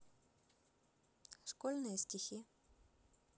школьные стихи